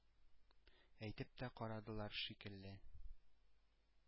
Әйтеп тә карадылар шикелле,